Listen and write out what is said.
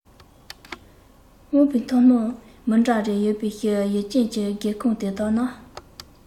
དབང པོའི མཐོང སྣང མི འདྲ རེ ཡོད པའི ཡུལ ཅན གྱི སྒེའུ ཁུང དེ དག ནས